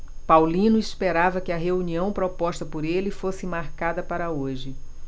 paulino esperava que a reunião proposta por ele fosse marcada para hoje